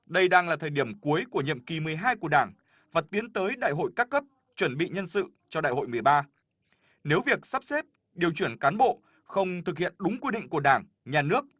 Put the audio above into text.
đây đang là thời điểm cuối của nhiệm kỳ mười hai của đảng và tiến tới đại hội các cấp chuẩn bị nhân sự cho đại hội mười ba nếu việc sắp xếp điều chuyển cán bộ không thực hiện đúng quy định của đảng nhà nước